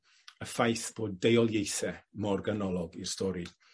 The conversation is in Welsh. y ffaith bod deuoliaethe mor ganolog i'r stori.